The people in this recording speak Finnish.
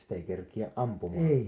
sitten ei kerkiä ampumaan